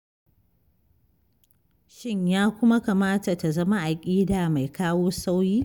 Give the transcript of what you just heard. Shin ya kuma kamata ta zama aƙida mai kawo sauyi?